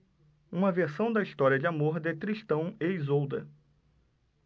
uma versão da história de amor de tristão e isolda